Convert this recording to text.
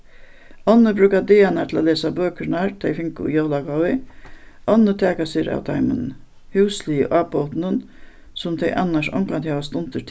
onnur brúka dagarnar til at lesa bøkurnar tey fingu í jólagávu onnur taka sær av teimum húsligu ábótunum sum tey annars ongantíð hava stundir